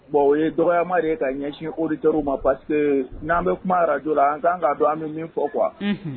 Bon o ye dɔgɔma de ye ka ɲɛsin o de jarw ma parce que n'an bɛ kuma arajo la an kan ka don an bɛ min fɔ qu